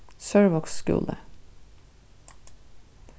sørvágs skúli